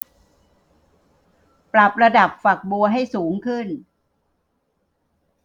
ปรับระดับฝักบัวให้สูงขึ้น